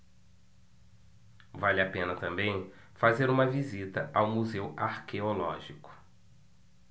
vale a pena também fazer uma visita ao museu arqueológico